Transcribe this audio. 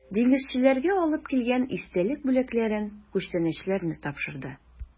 Диңгезчеләргә алып килгән истәлек бүләкләрен, күчтәнәчләрне тапшырды.